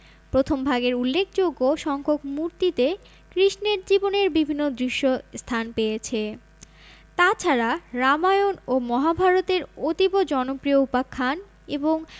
প্রথম ভাগের উল্লেখযোগ্য সংখ্যক মূর্তিতে কৃষ্ণের জীবনের বিভিন্ন দৃশ্য স্থান পেয়েছে তাছাড়া রামায়ণ ও মহাভারত এর অতীব জনপ্রিয় উপাখ্যান এবং